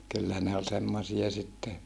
kyllä ne oli semmoisia sitten